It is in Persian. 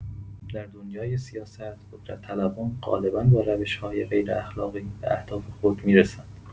در دنیای سیاست، قدرت‌طلبان غالبا با روش‌های غیراخلاقی به اهداف خود می‌رسند.